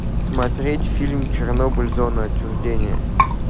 смотреть фильм чернобыль зона отчуждения